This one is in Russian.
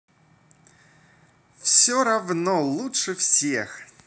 все равно лучше всех